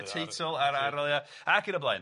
un y teitl a'r arl- ia ac yn y blaen.